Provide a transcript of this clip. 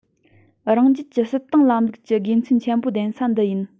རང རྒྱལ གྱི སྲིད ཏང ལམ ལུགས ཀྱི དགེ མཚན ཆེན པོ ལྡན ས འདི ཡིན